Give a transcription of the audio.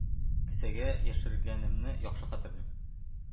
Кесәгә яшергәнемне яхшы хәтерлим.